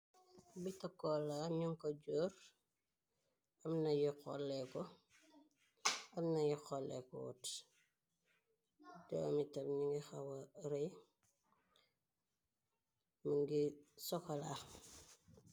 Bitakoola ñun ko jóor amnayu xoleeko woot domitam ñingi xawaree mu ngi sokalaa.